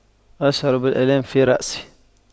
أشعر بالآلام في رأسي